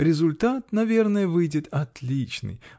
Результат, наверное, выйдет отличный.